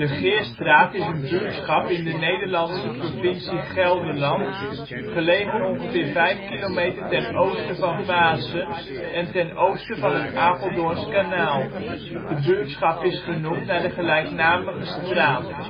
Geerstraat is een buurtschap in de Nederlandse provincie Gelderland, gelegen ongeveer vijf kilometer ten oosten van Vaassen, en ten oosten van het Apeldoorns kanaal. De buurtschap is genoemd naar de gelijknamige straat